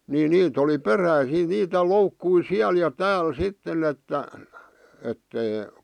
niin niitä oli peräisin niitä loukkuja siellä ja täällä sitten että että ei